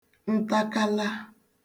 ntakala